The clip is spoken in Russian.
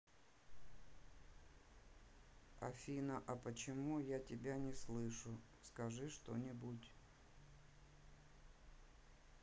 афина а почему я тебя не слышу скажи что нибудь